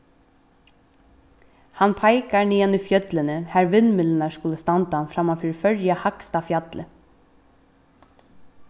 hann peikar niðan í fjøllini har vindmyllurnar skulu standa framman fyri føroya hægsta fjalli